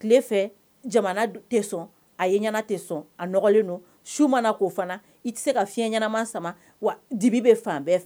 Tile fɛ Jamana tɛ sɔn a yeɲɛnan tɛ sɔn a nɔgɔlen do su mana ko fana i tɛ se ka fiɲɛ ɲɛnama sama wa dibi bɛ fan bɛɛ